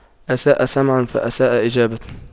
أساء سمعاً فأساء إجابة